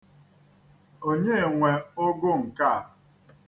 Onye nwe ụgụ nke a?